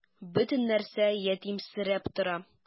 Бөтен нәрсә ятимсерәп тора.